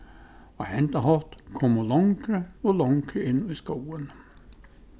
á hendan hátt kom hon longri og longri inn í skógin